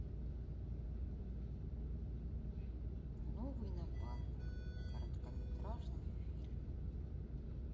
новый напарник короткометражный фильм